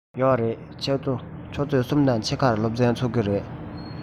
ཡོད རེད ཆུ ཚོད གསུམ དང ཕྱེད ཀར སློབ ཚན ཚུགས ཀྱི རེད